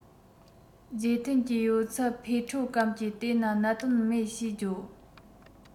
རྗེས མཐུད ཀྱི ཡོད ཚད ཕུས ཁྲོ གམ གྱིས དེ ན གནད དོན མེད ཞེས བརྗོད